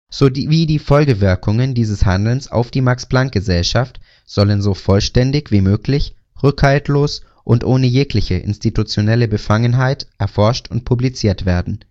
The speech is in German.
sowie die Folgewirkungen dieses Handelns auf die Max-Planck-Gesellschaft sollen so vollständig wie möglich, rückhaltlos und ohne jegliche institutionelle Befangenheit erforscht und publiziert werden